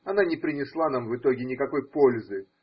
Она не принесла нам в итоге никакой пользы